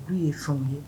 Du ye fɛnw ye